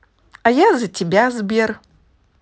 а я за тебя сбер